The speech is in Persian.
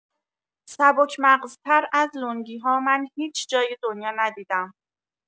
سبک‌مغزتر از لنگی‌ها من هیچ جای دنیا ندیدم